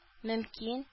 Мөмкин